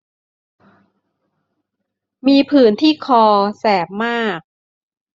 มีผื่นที่คอแสบมาก